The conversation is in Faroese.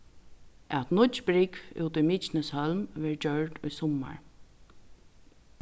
at nýggj brúgv út í mykineshólm verður gjørd í summar